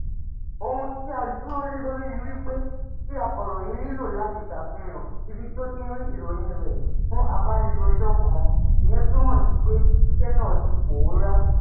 "Ohun tí a dúró lé lórí ni wípé tí akọ̀ròyìn nílò láti sàfihàn ibi tí ó tí ń rí ìròyìn rẹ fún abánirojọ́ kan, ìyẹn túmọ̀ sí pé iṣẹ́ náà ti pòórá.